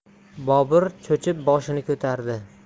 bobur cho'chib boshini ko'tardi